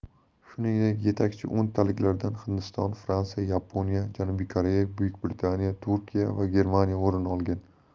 shuningdek yetakchi o'ntalikdan hindiston fransiya yaponiya janubiy koreya buyuk britaniya turkiya va germaniya o'rin olgan